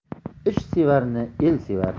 ishsevarni el sevar